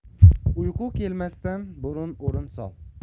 uyqu kelmasdan burun o'rin sol